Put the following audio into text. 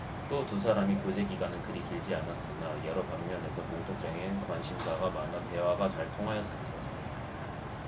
또 두 사람의 교제기간은 그리 길지 않았으나 여러 방면에서 공통적인 관심사가 많아 대화가 잘 통하였습니다